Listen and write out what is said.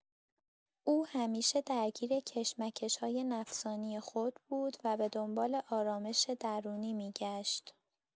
او همیشه درگیر کشمکش‌های نفسانی خود بود و به دنبال آرامش درونی می‌گشت.